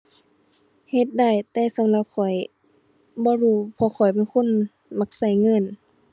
เฮ็ดได้ แต่สำหรับข้อยบ่รู้ เพราะข้อยเป็นคนมักใช้เงิน